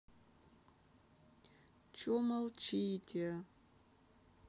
че молчите